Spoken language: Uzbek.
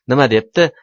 nima depti